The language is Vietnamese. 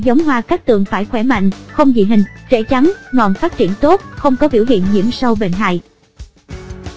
cây giống hoa cát tường phải khỏe mạnh không dị hình rễ trắng ngọn phát triển tốt không có biểu hiện nhiễm sâu bệnh hại